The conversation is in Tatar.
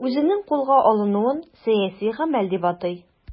Үзенең кулга алынуын сәяси гамәл дип атый.